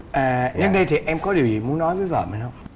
à nhân đây thì em có điều gì muốn nói với vợ này không